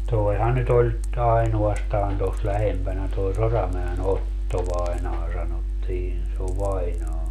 tuohan nyt oli ainoastaan tuossa lähempänä tuo Soramäen - Otto-vainaja sanottiin se on vainaja